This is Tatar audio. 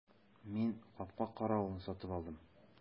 Мин капка каравылын сатып алдым.